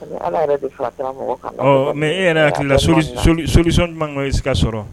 Mɛ e yɛrɛ hakili sosɔn man i si ka sɔrɔ